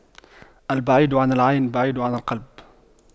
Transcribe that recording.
البعيد عن العين بعيد عن القلب